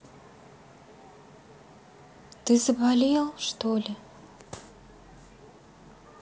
ты заболел что ли